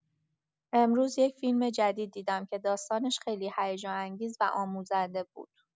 امروز یک فیلم جدید دیدم که داستانش خیلی هیجان‌انگیز و آموزنده بود.